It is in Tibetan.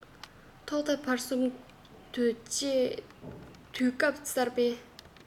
རབ དང རིམ པའི དགོངས དོན ལག བསྟར དོན འཁྱོལ གཏིང ཟབ བྱས ཏེ